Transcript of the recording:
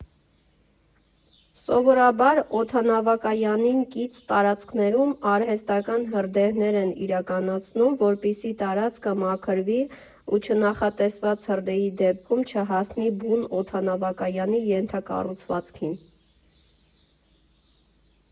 Սովորաբար, օդանավակայանին կից տարածքներում արհեստական հրդեհներ են իրականացնում, որպեսզի տարածքը մաքրվի ու չնախատեսված հրդեհի դեպքում չհասնի բուն օդանավակայանի ենթակառուցվածքին։